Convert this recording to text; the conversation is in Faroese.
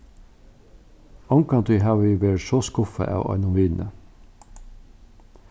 ongantíð havi eg verið so skuffað av einum vini